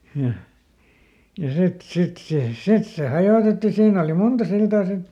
ja ja sitten sitten se sitten se hajotettiin siinä oli monta siltaa sitten